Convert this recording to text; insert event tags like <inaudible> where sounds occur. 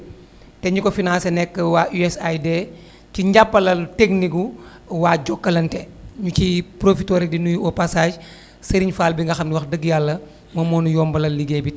te ñi ko financé nekk waa USAID <inhales> ci njappandal technique gu wa Jokalante ñu ciy profité rek di nuyu au passage <inhales> Serigne Fall bi nga xam ne wax dëgg yàlla moom moo ñu yombalal liggéey bi